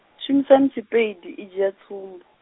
shumisani tshipeidi i dzhia tsumbo.